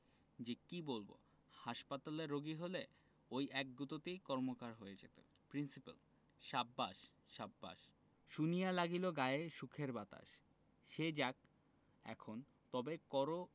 যে কি বলব হাসপাতালের রোগী হলে ঐ এক গুঁতোতেই কর্মকার হয়ে যেত প্রিন্সিপাল সাব্বাস সাব্বাস শুনিয়া লাগিল গায়ে সুখের বাতাস সে যাক এখন তবে করো